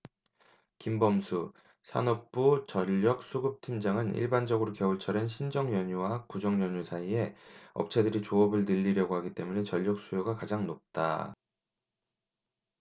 김범수 산업부 전력수급팀장은 일반적으로 겨울철엔 신정연휴와 구정연휴 사이에 업체들이 조업을 늘리려고 하기 때문에 전력수요가 가장 높다